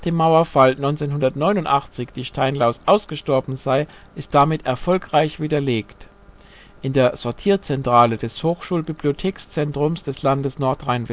Mauerfall 1989 die Steinlaus ausgestorben sei, ist damit erfolgreich widerlegt. In der Sortierzentrale des Hochschulbibliothekszentrums des Landes Nordrhein-Westfalen